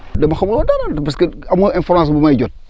dama xamul woon dara parce que aw ma woon information bu may jot